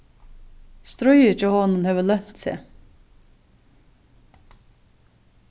stríðið hjá honum hevur lønt seg